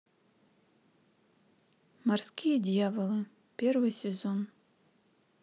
морские дьяволы первый сезон